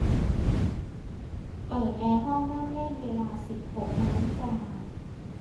เปิดแอร์ห้องนั่งเล่นเวลาสิบหกนาฬิกา